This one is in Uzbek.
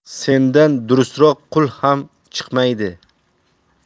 sendan durustroq qul ham chiqmaydi